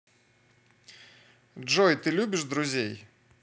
джой ты любишь друзей